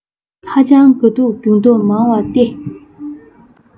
ཧ ཅང དགའ སྡུག འགྱུར ལྡོག མང བ སྟེ